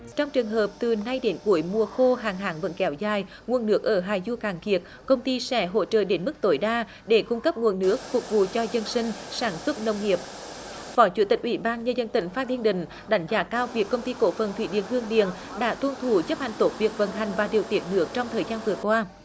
trong trường hợp từ nay đến cuối mùa khô hạn hán vẫn kéo dài nguồn nước ở hạ du cạn kiệt công ty sẽ hỗ trợ đến mức tối đa để cung cấp nguồn nước phục vụ cho dân sinh sản xuất nông nghiệp phó chủ tịch ủy ban nhân dân tỉnh phan thiên định đánh giá cao việc công ty cổ phần thủy điện hương điền đã tuân thủ chấp hành tốt việc vận hành và điều tiết nước trong thời gian vừa qua